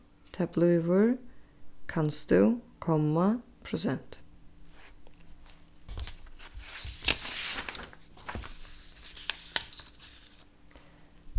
tað blívur kanst tú komma prosent